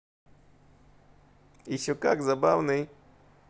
еще как забавный